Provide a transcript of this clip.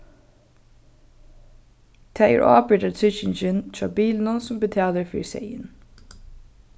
tað er ábyrgdartryggingin hjá bilinum sum betalir fyri seyðin